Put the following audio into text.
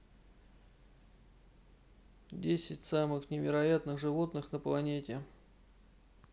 десять самых невероятных животных на планете